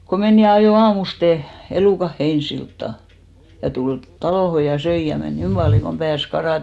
kun meni ja ajoi aamusti elukat Heinäsiltaan ja tuli taloon ja söi ja meni niin paljon kuin pääsi karaten